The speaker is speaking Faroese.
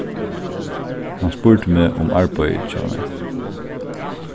hann spurdi meg um arbeiðið hjá mær